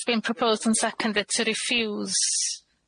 It has been proposed and seconded to refuse